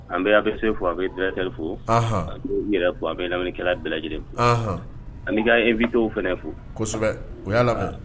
An bɛ' se fo a bɛtɛfo a yɛrɛ an bɛ laminikɛla bɛɛ lajɛlen ma ani ye vtaw fo o'a la